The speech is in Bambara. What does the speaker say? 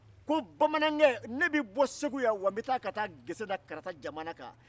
ko bamanankɛ ne bɛ bɔ segu yan wa n bɛ taa ka taa gese da karata jamana kan